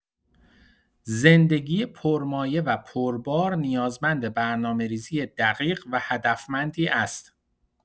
زندگی پرمایه و پربار نیازمند برنامه‌ریزی دقیق و هدفمندی است.